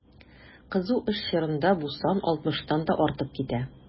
Кызу эш чорында бу сан 60 тан да артып китә.